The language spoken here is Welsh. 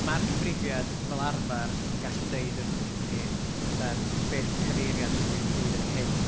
Ma'r cyfrifiad, fel arfer, yn gallu deud, yy wrthych chi, yym be oedd cyfeiriad rhywun blwyddyn ynghynt.